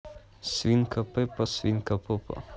свинка пеппа свинка попа